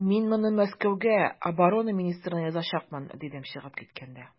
Мин моны Мәскәүгә оборона министрына язачакмын, дидем чыгып киткәндә.